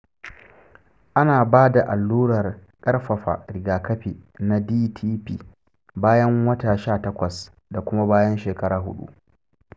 ana ba da alluran ƙarfafa rigakafi na dtp bayan wata sha takwas da kuma bayan shekara huɗu.